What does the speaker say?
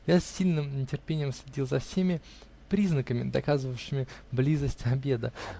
Я с сильным нетерпением следил за всеми признаками, доказывавшими близость обеда.